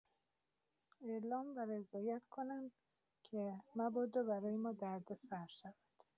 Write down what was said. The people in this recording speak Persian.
اعلام و رضایت کنند که مبادا برای ما دردسر شود.